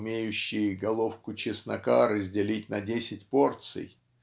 умеющий головку чеснока разделить на десять порций"